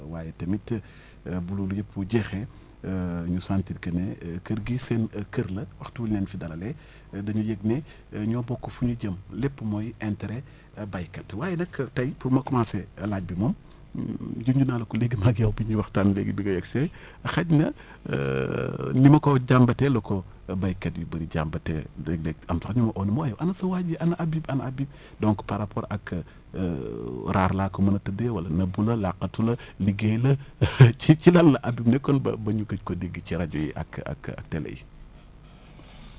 waaye tamit bu loolu lépp jeexee ñu sentir que ne kër gii seen kër la waxtu buñ leen fi dalalee dañuy yëg ne ñoo bokk fu ñu jëm lépp mooy intérêt béykat waaye nag tey pour ma commencé laaj bi moom junj naa la ko léegi maag yow bi ñuy waxtaan léegi bi nga egg see xaj na ni ma ko jambatee la ko béykat yu bëri jambatee léeg-léeg am sax ñu ma oo ni ma waa yow ana sa waa ji ana Habib ana Habib donc par rapport ak rare laa ko mën a tuddee wala nëbbu la laqatu la liggéey la ci ci lan la Habib nekkoon ba ba ñu gëj koo dégg ci rajo yi ak ak ak télé yi